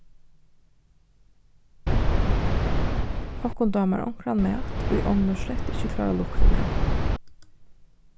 okkum dámar onkran mat ið onnur slett ikki klára luktin av